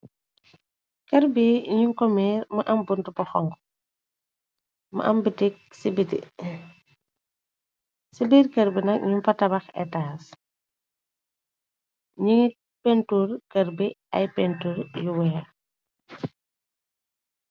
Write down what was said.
Kër bi ñu komiir ma am bunt poxong ma am bitik ci biir kër bi nak ñu patabax étaas ningi pentur kër bi ay pentur yu wée.